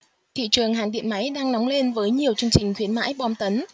thị trường hàng điện máy đang nóng lên với nhiều chương trình khuyến mãi bom tấn